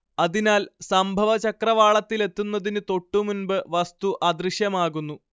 അതിനാൽ സംഭവചക്രവാളത്തിലെത്തുന്നതിന് തൊട്ടുമുമ്പ് വസ്തു അദൃശ്യമാകുന്നു